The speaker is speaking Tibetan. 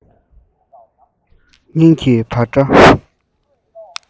སྙིང གི འཕར སྒྲ